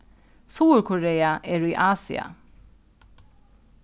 suðurkorea er í asia